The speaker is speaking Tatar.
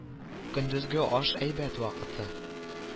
Көндезге аш әйбәт вакыты